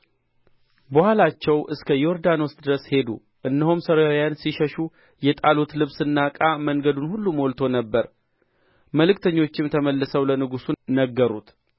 በኋላቸው እስከ ዮርዳኖስ ድረስ ሄዱ እነሆም ሶርያውያን ሲሸሹ የጣሉት ልብስና ዕቃ መንገዱን ሁሉ ሞልቶ ነበር መልእክተኞችም ተመልሰው ለንጉሡ ነገሩት